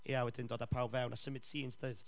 ia wedyn dod a pawb fewn a symud scenes doedd.